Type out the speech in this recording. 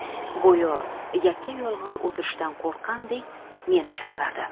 go'yo yakka yolg'iz o'tirishdan qo'rqqandek meni chaqirardi